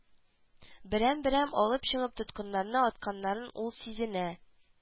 Берәм-берәм алып чыгып тоткыннарны атканнарын ул сизенә